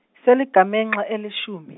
seligamenxe eleshumi.